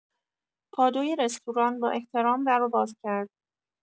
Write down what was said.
پادوی رستوران با احترام درو باز کرد.